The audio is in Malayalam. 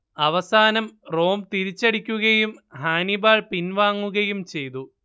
അവസാനം റോം തിരിച്ചടിക്കുകയും ഹാനിബാൾ പിൻവാങ്ങുകയും ചെയ്തു